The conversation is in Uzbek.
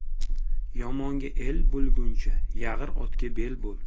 yomonga el bo'lguncha yag'ir otga bel bo'l